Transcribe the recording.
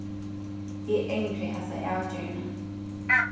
eg angri hasa avgerðina